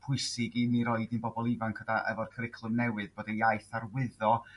pwysig i ni roid i bobol ifanc ynde? Efo'r cwricwlwm newydd bod yr iaith arwyddo